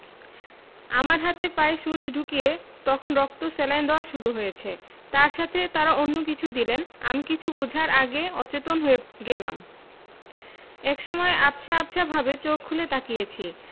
আমার হাতে পায়ে সুচ ঢুকিয়ে তখন রক্ত স্যালাইন দেওয়া শুরু হয়েছে তার সাথে তারা অন্য কিছু দিলেন আমি কিছু বোঝার আগে অচেতন হয়ে গেলাম একসময় আবছা আবছাভাবে চোখ খুলে তাকিয়েছি